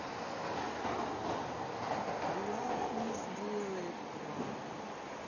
влад не сделает план